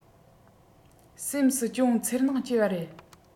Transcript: སེམས སུ ཅུང འཚེར སྣང སྐྱེ བ རེད